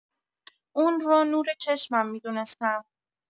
اون رو نور چشمم می‌دونستم.